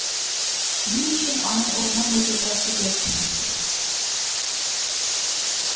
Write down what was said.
Ни өчен аның урыны музейда түгел